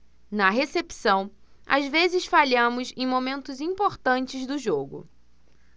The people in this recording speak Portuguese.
na recepção às vezes falhamos em momentos importantes do jogo